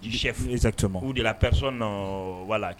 Du chef exactement ou de la persinne voilà k